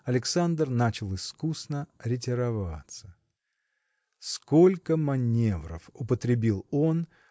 Александр начал искусно ретироваться. Сколько маневров употребил он